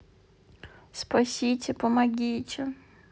спасите помогите